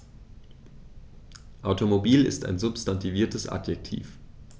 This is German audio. Automobil ist ein substantiviertes Adjektiv.